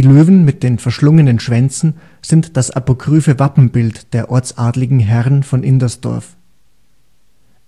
Löwen mit den verschlungenen Schwänzen sind das apokryphe Wappenbild der ortsadligen Herren von Indersdorf